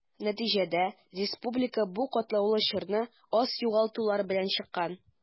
Нәтиҗәдә республика бу катлаулы чорны аз югалтулар белән чыккан.